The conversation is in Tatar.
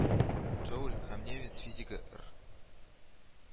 Джоуль һәм немец физигы эР